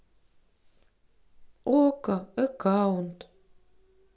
окко эккаунт